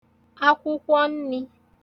akwụkwọ nnī